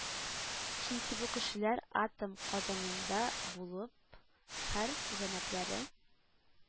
Чөнки бу кешеләр атом казанында булып, һәр күзәнәкләре